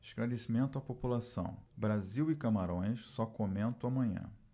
esclarecimento à população brasil e camarões só comento amanhã